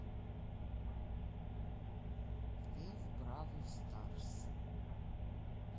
ты в бравл старс